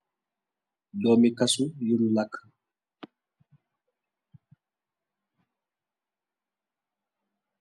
Doomi kasu yuru làkk.